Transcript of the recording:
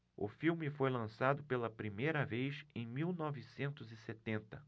o filme foi lançado pela primeira vez em mil novecentos e setenta